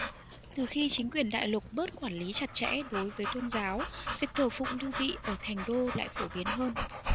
từ khi chính quyền đại lục bớt quản lý chặt chẽ đối với tôn giáo việc thờ phụng lưu bị ở thành đô lại phổ biến hơn